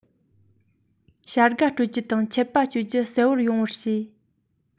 བྱ དགའ སྤྲོད རྒྱུ དང ཆད པ གཅོད རྒྱུ གསལ པོར ཡོང བར བྱས